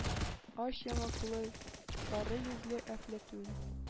Ач яңаклы, сары йөзле әфләтун.